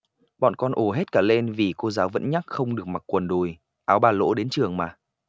bọn con ồ hết cả lên vì cô giáo vẫn nhắc không được mặc quần đùi áo ba lỗ đến trường mà